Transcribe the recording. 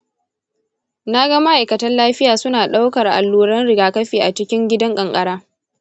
na ga ma'aikatan lafiya suna ɗaukar alluran rigakafi a cikin gidan kankara.